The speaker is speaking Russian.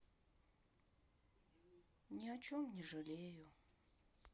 ни о чем не жалею